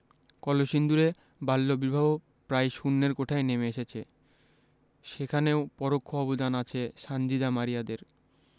কলসিন্দুরে বাল্যবিবাহ প্রায় শূন্যের কোঠায় নেমে এসেছে সেখানেও পরোক্ষ অবদান আছে সানজিদা মারিয়াদের